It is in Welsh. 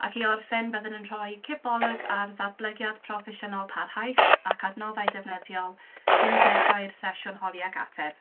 Ac i orffen byddwn yn rhoi cipolwg ar ddatblygiad proffesiynol parhaus, ac adnoddau defnyddiol cyn dechrau'r sesiwn holi ac ateb.